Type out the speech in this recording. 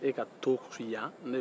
e ka to so yan